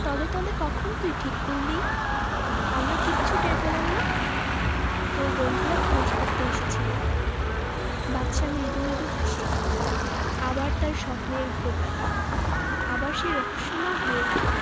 তলে তলে কখন তুই ঠিক করলি আমরা কিচ্ছু টের পেলাম না তোর বন্ধুরা খোঁজ করতে এসেছিলো বাদশা মৃদু মৃদু হাসে আবার তার স্বপ্নের ঘোর লাগে আবার সে রহস্যময় হয়ে উঠে